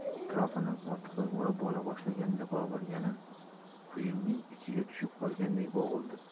atrofini otliqlar o'rab ola boshlaganda bobur yana quyunning ichiga tushib qolganday bo'g'ildi